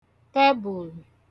tẹbùl